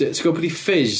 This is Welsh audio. Ti'n gwybod pwy 'di Fizz?